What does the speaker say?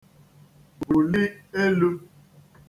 bùli elu